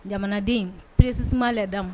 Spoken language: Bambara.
Jamanaden peresi lada ma